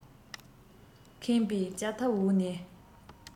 ཁེངས པའི ལྕགས ཐབ འོག ནས